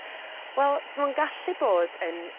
Wel so ma' 'n gallu bod yn